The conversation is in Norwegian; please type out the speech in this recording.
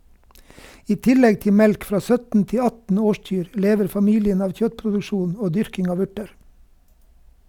I tillegg til melk fra 17-18 årskyr, lever familien av kjøttproduksjon og dyrking av urter.